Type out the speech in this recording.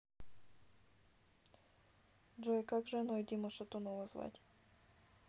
джой как женой дима шатунова звать